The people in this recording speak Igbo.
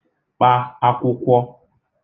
kpa akwụkwọ